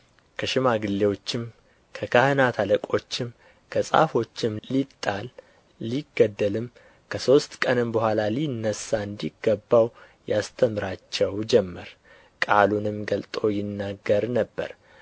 ከሽማግሌዎችም ከካህናት አለቆችም ከጻፎችም ሊጣል ሊገደልም ከሦስት ቀንም በኋላ ሊነሣ እንዲገባው ያስተምራቸው ጀመር ቃሉንም ገልጦ ይናገር ነበር